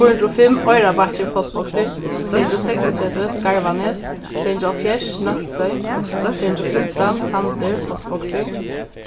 fýra hundrað og fimm oyrarbakki postboksir tvey hundrað og seksogtretivu skarvanes tvey hundrað og hálvfjerðs nólsoy tvey hundrað og fimtan sandur postboksir